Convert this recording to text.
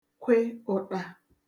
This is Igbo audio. kwe ụṭa